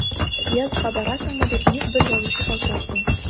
Съездга барасыңмы дип ник бер язучы шалтыратсын!